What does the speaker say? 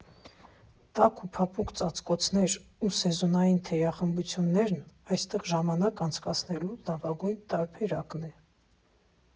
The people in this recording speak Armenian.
Տաք ու փափուկ ծածկոցներն ու սեզոնային թեյախմություններն այստեղ ժամանակ անցկացնելու լավագույն տարբերակն են։